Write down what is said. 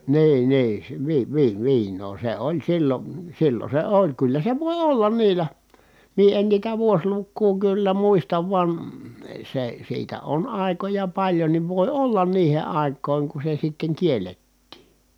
niin niin se -- viinaa se oli silloin silloin se oli kyllä se voi olla niillä minä en niitä vuosilukua kyllä muista vaan se siitä on aikoja paljonkin voi olla niihin aikoihin kun se sitten kiellettiin